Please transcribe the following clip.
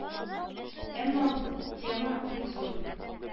Әмма бу тема бик зур